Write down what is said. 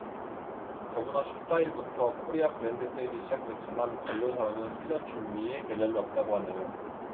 더구나 십 사 일부터 코리아 그랜드세일이 시작됐지만 관료사회는 훈련 준비에 여념이 없다고 하네요